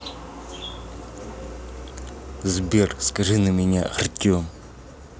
сбер скажи на меня артем